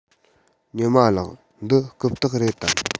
ཉི མ ལགས འདི རྐུབ སྟེགས རེད དམ